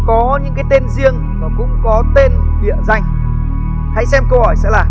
có những cái tên riêng và cũng có tên địa danh hãy xem câu hỏi sẽ là